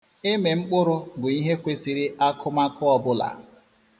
Ịmị mkpụrụ bụ ihe kwesịrị akụmakụ ọ bụla.